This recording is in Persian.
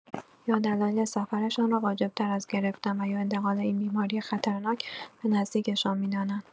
یا دلایل سفرشان را واجب‌تر از گرفتن، و یا انتقال این بیماری خطرناک به نزدیکشان می‌دانند.